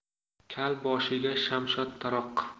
kal boshiga shamshod taroq